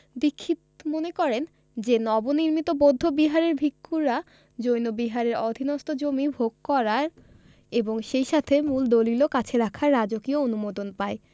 দীক্ষিত মনে করেন যে নব নির্মিত বৌদ্ধ বিহারের ভিক্ষুরা জৈন বিহারের অধীনস্থ জমি ভোগ করার এবং সেই সাথে মূল দলিলও কাছে রাখার রাজকীয় অনুমোদন পায়